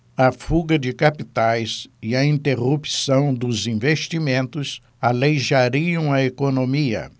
a fuga de capitais e a interrupção dos investimentos aleijariam a economia